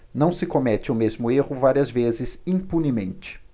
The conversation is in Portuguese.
não se comete o mesmo erro várias vezes impunemente